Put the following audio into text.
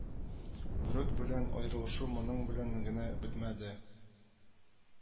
Бүрек белән аерылышу моның белән генә бетмәде